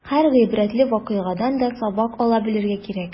Һәр гыйбрәтле вакыйгадан да сабак ала белергә кирәк.